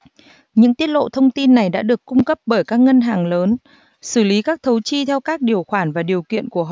những tiết lộ thông tin này đã được cung cấp bởi các ngân hàng lớn xử lý các thấu chi theo các điều khoản và điều kiện của họ